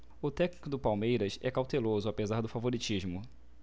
o técnico do palmeiras é cauteloso apesar do favoritismo